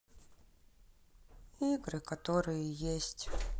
игры которые есть